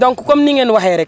donc comme ni ngeen waxee rek